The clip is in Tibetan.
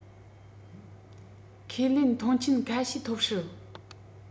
ཁས ལེན མཐོང ཆེན ཁ ཤས ཐོབ སྲིད